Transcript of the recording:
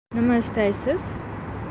nima istaysiz